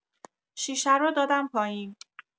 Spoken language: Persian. شیشه رو دادم پایین